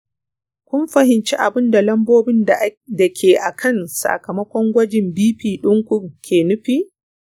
kun fahimci abunda lambobin da ke akan sakamakon gwajin bp ɗinku ke nufi?